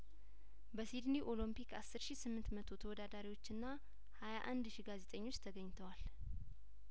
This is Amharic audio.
በሲዲኒ ኦሎምፒክ አስር ሺ ስምንት መቶ ተወዳዳሪዎች እና ሀያ አንድ ሺ ጋዜጠኞች ተገኝተዋል